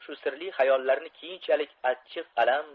shu sirli hayollarni keyinchalik achchiq alam